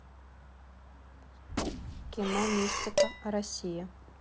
кино мистика россия